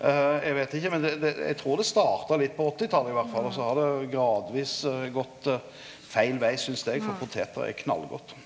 eg veit ikkje men det det eg trur det starta litt på åttitalet iallfall, og så har det gradvis gått feil veg synast eg for poteter er knallgodt.